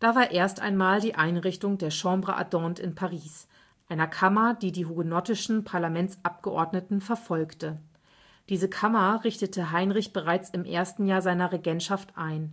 Da war erst einmal die Einrichtung der Chambre ardente in Paris, einer Kammer, die die hugenottischen Parlamentsabgeordneten verfolgte. Diese Kammer richtete Heinrich bereits im ersten Jahr seiner Regentschaft ein